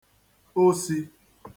osī